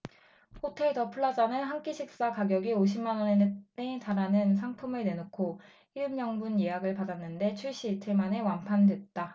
호텔 더 플라자는 한 끼 식사 가격이 오십 만원에 달하는 상품을 내놓고 일흔 명분 예약을 받았는데 출시 이틀 만에 완판됐다